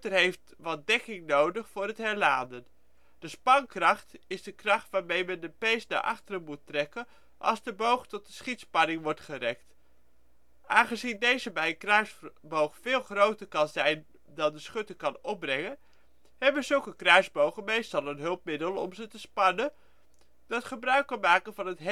heeft wat dekking nodig voor het herladen. De spankracht is de kracht waarmee men de pees naar achter moet trekken als de boog tot de schietspanning wordt gerekt. Aangezien deze bij een kruisboog veel groter kan zijn dan de schutter kan opbrengen hebben zulke kruisbogen meestal een hulpmiddel om ze te spannen, dat gebruik kan maken van een hefboomeffect